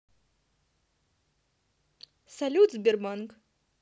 салют сбербанк